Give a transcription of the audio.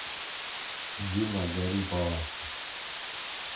дина гарипова